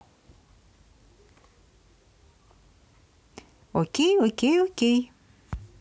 ok ok ok